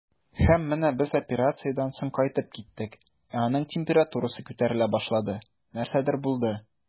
Һәм менә без операциядән соң кайтып киттек, ә аның температурасы күтәрелә башлады, нәрсәдер булды.